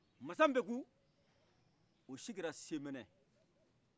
masa mbekuno sigira semɛnɛ